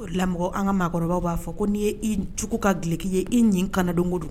O lamɔgɔ an ka maakɔrɔbaw b'a fɔ ko n'i ye'jugu ka gki ye i ɲin kana don kojugu